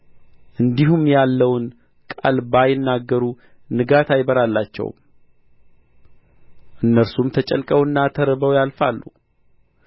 እንዲህም ያለውን ቃል ባይናገሩ ንጋት አይበራላቸውም እነርሱም ተጨንቀውና ተርበው ያልፋሉ